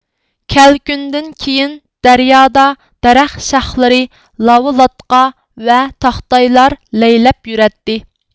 كەلكۈندىن كېيىن دەريادا دەرەخ شاخلىرى لاۋا لاتقا ۋە تاختايلار لەيلەپ يۈرەتتى